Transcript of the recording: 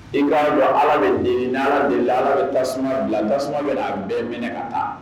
In ka dɔn ala bɛ nin de la ala bɛ tasuma bila tasuma bɛ bɛn minɛ ka taa